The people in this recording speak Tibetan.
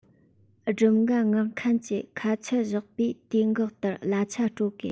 སྒྲུབ འགན མངགས མཁན གྱིས ཁ ཆད བཞག པའི དུས བཀག ལྟར གླ ཆ སྤྲོད དགོས